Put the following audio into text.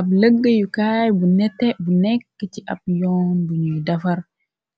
Ab lëgg yu kaay bu neteh bu nekk ci ab yoon buñuy dafar